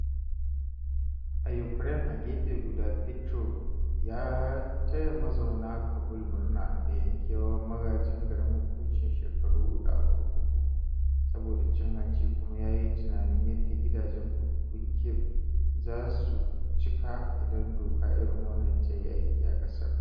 A Ukraine, a gefe guda, Petro ya taya mazaunan Kabul murna da yankewa magajin garin hukuncin shekaru huɗu a kurkuku, saboda cin hanci, kuma ya yi tunanin yadda gidajen kurkukun Kyiv zasu cika, idan doka irin wannan ta yi aiki a ƙasar.